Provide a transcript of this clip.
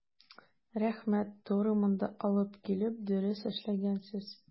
Рәхмәт, туры монда алып килеп дөрес эшләгәнсез.